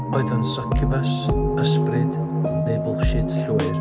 oedd o'n Succubus, ysbryd neu bullshit llwyr.